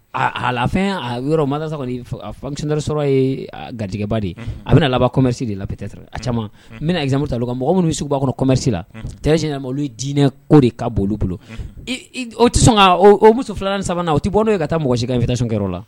Aaahala fɛn yɔrɔ ma samu sɔrɔ ye garijɛgɛba de ye a bɛna laban commasi de la caman n bɛnamu ta mɔgɔ minnu sigi b'a kɔnɔ komsi la tsi olu dinɛ ko de ka bolo o tɛ sɔn o muso filananla sabanan o tɛ bɔ' ye ka taa mɔgɔ si ka sun kɛ la